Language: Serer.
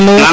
alo